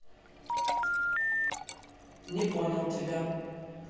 не понял тебя